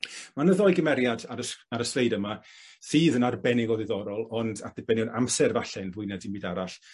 Ma 'na ddou gymeriad ar y s- ar y sleid yma sydd yn arbennig o ddiddorol. Ond at ddibenion amser falla yn fwy na dim byd arall